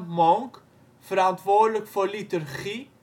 Monk (verantwoordelijk voor liturgie